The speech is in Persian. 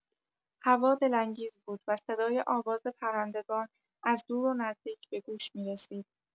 هوا دل‌انگیز بود و صدای آواز پرندگان از دور و نزدیک به گوش می‌رسید.